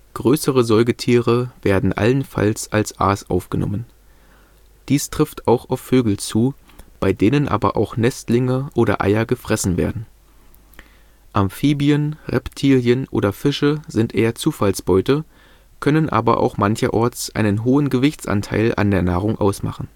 Größere Säugetiere werden allenfalls als Aas aufgenommen. Dies trifft auch auf Vögel zu, bei denen aber auch Nestlinge oder Eier gefressen werden. Amphibien, Reptilien oder Fische sind eher Zufallsbeute, können aber auch mancherorts einen hohen Gewichtsanteil an der Nahrung ausmachen